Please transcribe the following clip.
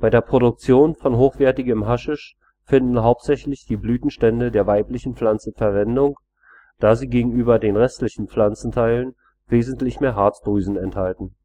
der Produktion von hochwertigem Haschisch finden hauptsächlich die Blütenstände der weiblichen Pflanze Verwendung, da sie gegenüber den restlichen Pflanzenteilen wesentlich mehr Harzdrüsen enthalten